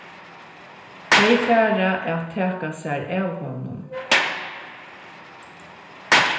tey fara at taka sær av honum